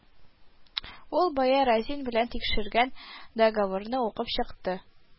Ул бая Разин белән тикшергән договорны укып чыкты